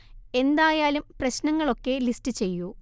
എന്തായാലും പ്രശ്നങ്ങൾ ഒക്കെ ലിസ്റ്റ് ചെയ്യൂ